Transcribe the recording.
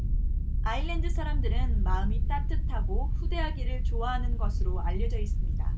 아일랜드 사람들은 마음이 따뜻하고 후대하기를 좋아하는 것으로 알려져 있습니다